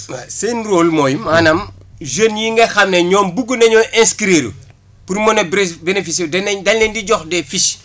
oui seen rôle mooy maanaam jeunes yi nga xam ne ñoom buggu nañoo incrire pour mën a bénéficié wu dañ leen di jox des fiches